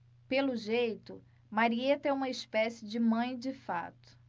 pelo jeito marieta é uma espécie de mãe de fato